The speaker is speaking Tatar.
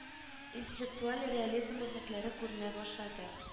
Интеллектуаль реализм үрнәкләре күренә башлады